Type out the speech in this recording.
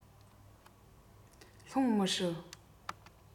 ལྷུང མི སྲིད